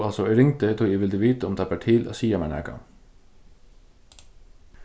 jú altso eg ringdi tí eg vildi vita um tað bar til at siga mær nakað